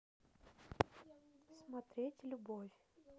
смотреть любовь